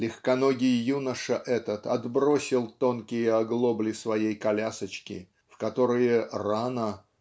Легконогий юноша этот отбросил тонкие оглобли своей колясочки "в которые рано